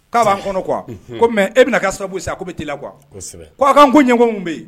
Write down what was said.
''an kɔnɔ qu mɛ e bɛna ka sababu sisan ko bɛ'i la kuwa ko ka n ko ɲɛgw bɛ yen